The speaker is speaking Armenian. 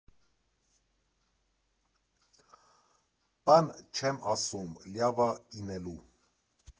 ֊ Պեն չըմ ասում, լյավա ինելու։